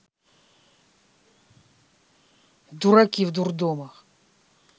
дураки в дурдомах